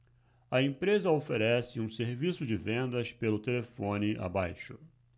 a empresa oferece um serviço de vendas pelo telefone abaixo